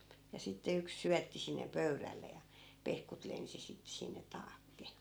ja sitten yksi syötti sinne pöydälle ja pehkut lensi sitten sinne taakse